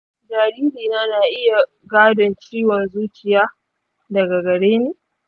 jaririna na iya gadon ciwon zuciya daga gare ni?